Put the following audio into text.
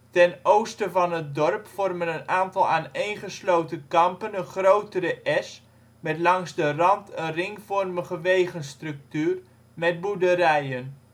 Ten oosten van het dorp vormen een aantal aaneengesloten kampen een grotere es met langs de rand een ringvormige wegenstructuur met boerderijen